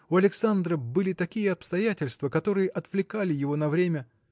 У Александра были такие обстоятельства которые отвлекали его на время.